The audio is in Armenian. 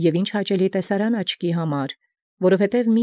Անդ էր այնուհետև սրտալիր ուրախութիւն և ակնավայել տեսիլ հայելւոյն։